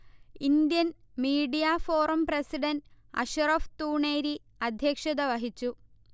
Indian media forum president Ashraf Thooneri അധ്യക്ഷത വഹിച്ചു